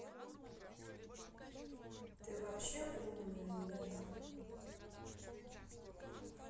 ты вообще умная нет